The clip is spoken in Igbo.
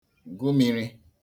gụ mīrī